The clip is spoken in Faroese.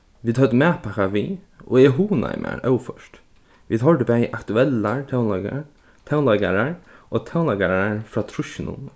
vit høvdu matpakka við og eg hugnaði mær óført vit hoyrdu bæði aktuellar tónleikarar tónleikarar og tónleikarar frá trýssunum